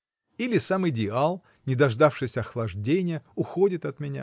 Или сам идеал, не дождавшись охлаждения, уходил от меня.